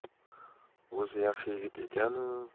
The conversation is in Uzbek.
o'zi yaxshi yigit ekan u